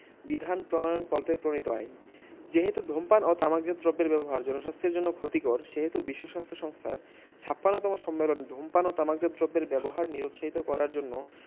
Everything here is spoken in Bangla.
বিধান প্রণয়নকল্পে প্রণীত আইন যেহেতু ধূমপান ও তামাকজাত দ্রব্যের ব্যবহার জনস্বাস্থ্যের জন্য ক্ষতিকর যেহেতু বিশ্বস্বাস্থ্য সংস্থার ৫৬তম সম্মেলনে ধূমপান ও তামাকজাত দ্রব্যের ব্যবহার নিরুৎসাহিত করার জন্য